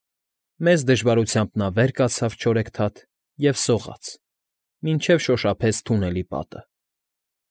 Մեծ դժվարությամբ նա վեր կացավ չորեքթաթ և սողաց, մինչև շոշափեց թունելի պատը։